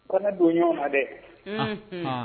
Ko ne don ɲɔgɔn na dɛ